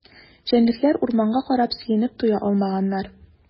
Җәнлекләр урманга карап сөенеп туя алмаганнар.